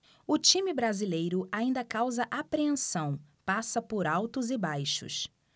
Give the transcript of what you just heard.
o time brasileiro ainda causa apreensão passa por altos e baixos